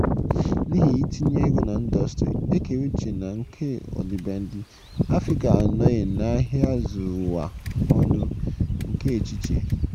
N'ihi itinye ego na ndọstrị ekere uche na nke ọdịbendị, Afrịka anọghị n'ahịa zuru ụwa ọnụ nke echiche, ụkpụrụ na ịma mma dị ka egosiri site na egwu, ihe nkiri, akwụkwọ, ihe nkiri na telivishọn.